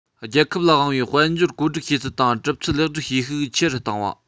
རྒྱལ ཁབ ལ དབང བའི དཔལ འབྱོར བཀོད སྒྲིག བྱེད ཚུལ དང གྲུབ ཚུལ ལེགས སྒྲིག བྱེད ཤུགས ཆེ རུ བཏང བ